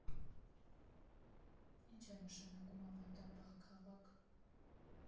Ի՞նչ է նշանակում ավանդապահ քաղաք.